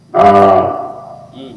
Ɔn